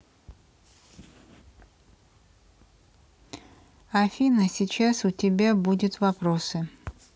афина сейчас у тебя будет вопросы